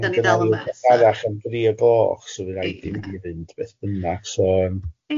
...ma gynna wbeth arall am dri o'r gloch so fydd raid i fi fynd beth bynnag so yym.